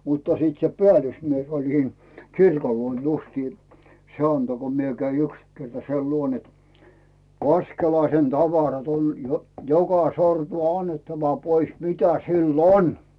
mutta sitten se päällysmies oli siinä kirkon luona justiin se antoi kun minä kävin yksi kerta sen luona että Vaskelaisen tavarat on - joka sortua annettava pois mitä sillä on